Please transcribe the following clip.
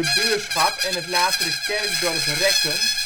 buurschap en het latere kerkdorp Rekken